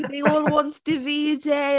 They all want Davide.